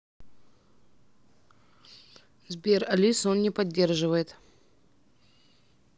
сбер алису он не поддерживает